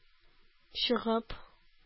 Чыгып